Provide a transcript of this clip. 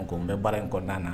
Ko n bɛ baara in kɔnɔna na